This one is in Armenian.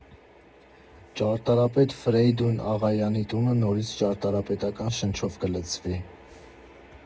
Ճարտարապետ Ֆրեյդուն Աղայանի տունը նորից ճարտարապետական շնչով կլցվի։